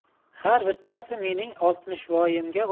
har bittasi mening oltmishvoyimga